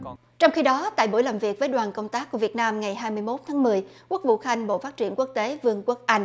trong khi đó tại buổi làm việc với đoàn công tác của việt nam ngày hai mươi mốt tháng mười quốc vụ khanh bộ phát triển quốc tế vương quốc anh